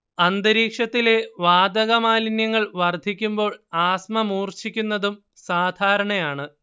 അന്തരീക്ഷത്തിലെ വാതകമാലിന്യങ്ങൾ വർദ്ധിക്കുമ്പോൾ ആസ്മ മൂർച്ഛിക്കുന്നതും സാധാരണയാണ്